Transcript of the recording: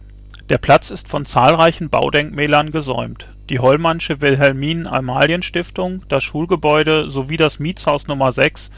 zahlreichen Baudenkmälern gesäumt. Die Hollmannsche Wilhelminen-Amalien-Stiftung, das Schulgebäude, sowie das Mietshaus Nr. 6